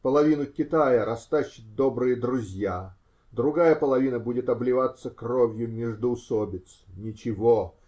Половину Китая растащат добрые друзья, другая половина будет обливаться кровью междоусобиц -- ничего!